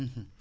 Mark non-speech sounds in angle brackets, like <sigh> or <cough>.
<hesitation> <hesitation>